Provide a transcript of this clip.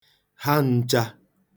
ha n̄chā